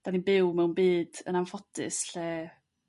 'dan n'n byw mewn byd yn anffodus lle